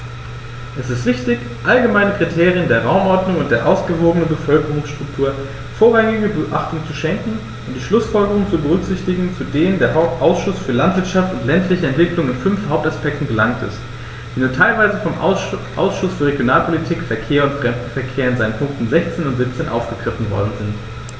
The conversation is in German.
Es ist wichtig, allgemeinen Kriterien der Raumordnung und der ausgewogenen Bevölkerungsstruktur vorrangige Beachtung zu schenken und die Schlußfolgerungen zu berücksichtigen, zu denen der Ausschuss für Landwirtschaft und ländliche Entwicklung in fünf Hauptaspekten gelangt ist, die nur teilweise vom Ausschuss für Regionalpolitik, Verkehr und Fremdenverkehr in seinen Punkten 16 und 17 aufgegriffen worden sind.